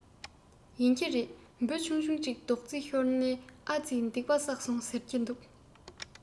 ཡིན གྱི རེད འབུ ཆུང ཆུང ཅིག རྡོག རྫིས ཤོར ནའི ཨ རྩི སྡིག པ བསགས སོང ཟེར གྱི འདུག